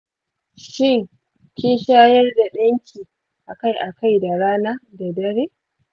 shin kin shayar da ɗan ki akai-akai da rana da dare?